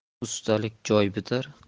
ustalik joy bitar